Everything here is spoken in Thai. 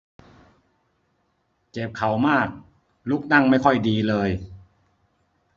เจ็บเข่ามากลุกนั่งไม่ค่อยดีเลย